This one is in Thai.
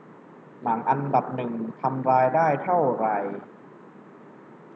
หนังอันดับหนึ่งทำรายได้เท่าไหร่